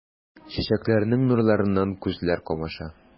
Чәчәкләрнең нурларыннан күзләр камаша.